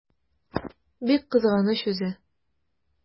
Бик кызганыч үзе!